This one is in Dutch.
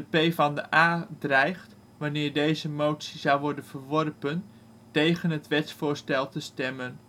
De PvdA dreigt, wanneer deze motie zou worden verworpen, tegen het wetsvoorstel te stemmen